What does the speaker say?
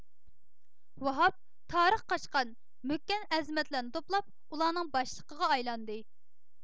ۋاھاپ تارىخ قاچقان مۆككەن ئەزىمەتلەرنى توپلاپ ئۇلارنىڭ باشلىقىغا ئايلاندى